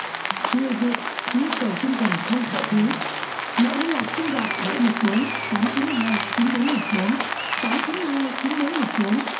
người việt nhu cầu tinh thần không thể thiếu mọi liên lạc xin gọi bảy một bốn tám chín hai chín bốn một bốn tám chín hai chín bốn một bốn